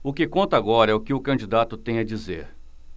o que conta agora é o que o candidato tem a dizer